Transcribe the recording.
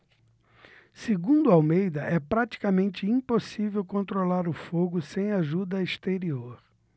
segundo almeida é praticamente impossível controlar o fogo sem ajuda exterior